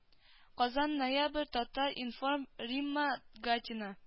-- казан ноябрь татар-информ римма гатина